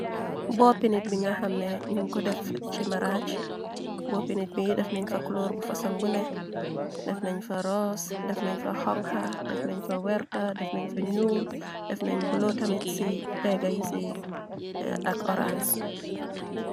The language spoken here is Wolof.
Bopi nit boo xamne njung ko def ci maragi def nén fa fasong couloor bu néke def nén fa rose def nén fa xonxu def nén fa orange def nén fa njul def nén bula tamit ci begue yi